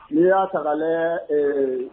N'i y'a ta ka lajɛ ɛɛ